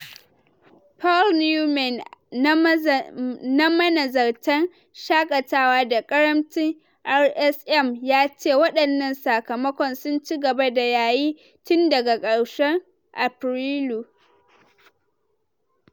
Paul Newman, na manazartan shakatawa da karamcin RSM ya ce: "Wadannan sakamakon sun ci gaba da yayi tun daga karshen Afrilu.